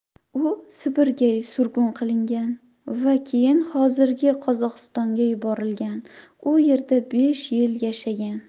u sibirga surgun qilingan va keyin hozirgi qozog'istonga yuborilgan u yerda besh yil yashagan